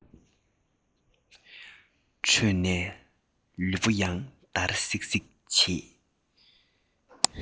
ཁྲོས ནས ལུས པོ ཡང འདར སིག སིག བྱེད